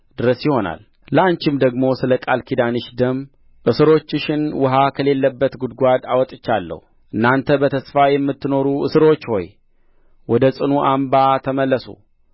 ለአንቺም ደግሞ ስለ ቃል ኪዳንሽ ደም እስሮችሽን ውኃ ከሌለበት ጕድጓድ አውጥቻለሁ እናንተ በተስፋ የምትኖሩ እስሮች ሆይ ወደ ጽኑ አምባ ተመለሱ